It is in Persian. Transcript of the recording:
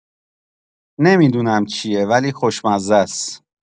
نمی‌دونم چیه ولی خوشمزس